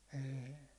ei